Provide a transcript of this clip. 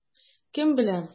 Кем белә?